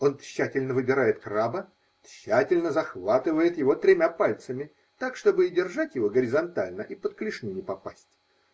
Он тщательно выбирает краба, тщательно захватывает его тремя пальцами так, чтобы и держать его горизонтально, и под клешню не попасть.